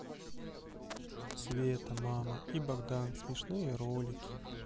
света мама и богдан смешные ролики